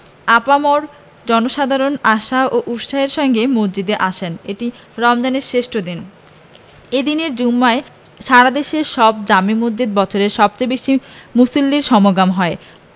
আপামর জনসাধারণ আশা ও উৎসাহের সঙ্গে মসজিদে আসেন এটি রমজানের শ্রেষ্ঠ দিন এ দিনের জুমায় সারা দেশের সব জামে মসজিদে বছরের সবচেয়ে বেশি মুসল্লির সমাগম হয়